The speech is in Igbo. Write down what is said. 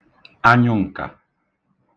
anyụǹkà